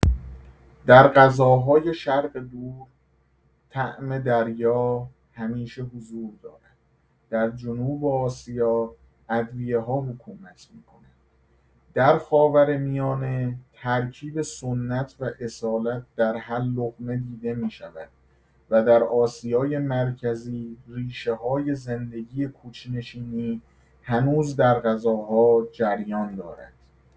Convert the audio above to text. در غذاهای شرق دور طعم دریا همیشه حضور دارد، در جنوب آسیا ادویه‌ها حکومت می‌کنند، در خاورمیانه ترکیب سنت و اصالت در هر لقمه دیده می‌شود، و در آسیای مرکزی ریشه‌های زندگی کوچ‌نشینی هنوز در غذاها جریان دارد.